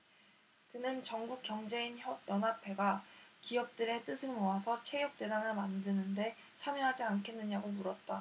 그는 전국경제인연합회가 기업들의 뜻을 모아서 체육재단을 만드는 데 참여하지 않겠느냐고 물었다